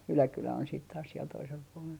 Yläkylä on sitten taas siellä toisella puolella